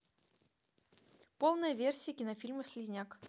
полная версия кинофильма слизняк